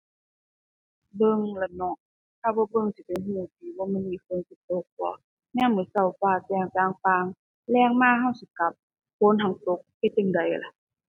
เบิ่งแหล้วเนาะ ถ้าบ่เบิ่งสิไปรู้ติว่ามื้อนี้ฝนสิตกบ่ ยามมื้อรู้ฟ้าแจ้งจ่างป่าง แลงมารู้สิกลับ ฝนหั้นตก เฮ็ดจั่งใดล่ะ